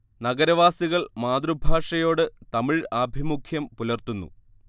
നഗരവാസികൾ മാതൃഭാഷയോട് തമിഴ് ആഭിമുഖ്യം പുലർത്തുന്നു